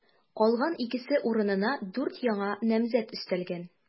Калган икесе урынына дүрт яңа намзәт өстәлгән.